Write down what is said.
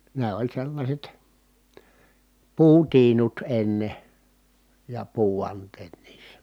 ne oli sellaiset puutiinut ennen ja puuvanteet niissä